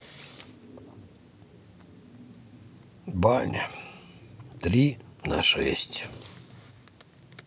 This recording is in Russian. баня три на шесть